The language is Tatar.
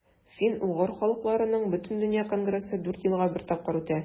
Фин-угыр халыкларының Бөтендөнья конгрессы дүрт елга бер тапкыр үтә.